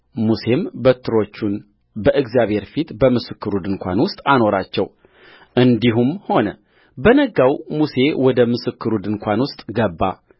ሙሴም በትሮቹን በእግዚአብሔር ፊት በምስክሩ ድንኳን ውስጥ አኖራቸውእንዲህም ሆነ በነጋው ሙሴ ወደ ምስክሩ ድንኳን ውስጥ ገባ